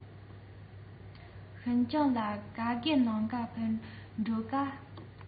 ཤིན ཅང ལ ག རེ གནང ག ཕེབས འགྲོ ག ཀ